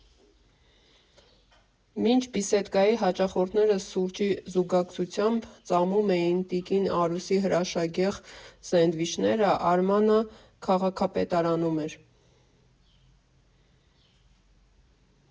Մինչ «Բիսեդկայի» հաճախորդները սուրճի զուգակցությամբ ծամում էին տիկին Արուսի հրաշագեղ սենդվիչները, Արմանը քաղաքապետարանում էր։